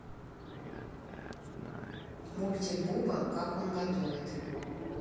мультик буба как он готовит